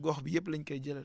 gox bi yëpp lañ koy jëlal